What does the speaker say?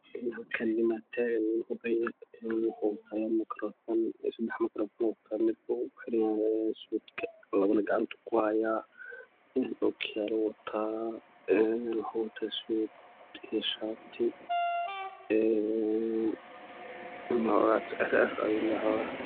Meshan nina tagan wuxuu wataa sedax makarafon labana gacantuu ku haya okiyaluu wataa wuxuu wata suud iyo shati ciro ayuu leyahay